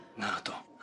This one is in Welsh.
Nadw.